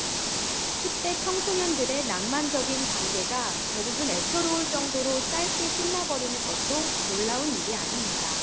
십대 청소년들의 낭만적인 관계가 대부분 애처로울 정도로 짧게 끝나 버리는 것도 놀라운 일이 아닙니다